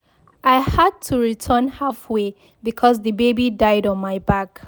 “I had to return halfway because the baby died on my back.”